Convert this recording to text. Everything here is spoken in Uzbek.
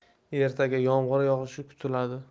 ertaga yomg'ir yog'ishi kutiladi